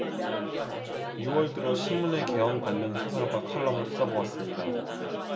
유 월 들어 몇 신문의 개헌 관련 사설과 칼럼을 찾아 보았습니다